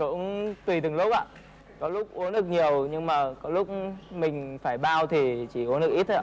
cũng tùy từng lúc ạ có lúc uống được nhiều nhưng mà có lúc mình phải bao thì chỉ uống được ít thôi ạ